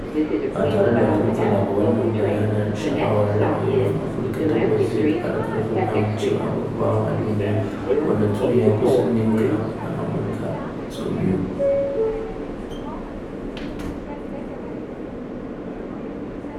Ba tare da wata matsala ba, wannan bayyanar sha'awar ra'ayoyin Afirka tabbas zai ƙara ƙarfin amincewa da Obama a duniya, wanda tuni ya kusan ninka na Amurka sau biyu.